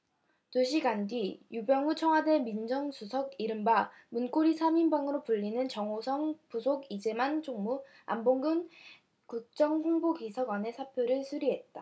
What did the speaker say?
두 시간 뒤 우병우 청와대 민정수석 이른바 문고리 삼 인방으로 불리는 정호성 부속 이재만 총무 안봉근 국정홍보비서관의 사표를 수리했다